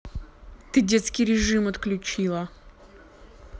ты детский режим отключила